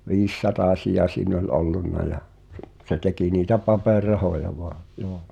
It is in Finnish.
viisisatasia siinä oli ollut ja - se teki niitä paperirahoja vain joo